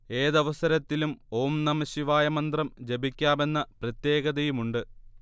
ഏതവസരത്തിലും ഓം നമഃശിവായ മന്ത്രം ജപിക്കാമെന്ന പ്രത്യേകതയുണ്ട്